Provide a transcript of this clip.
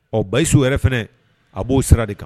Ɔ basiyisiww yɛrɛ fana a b'o sara de kan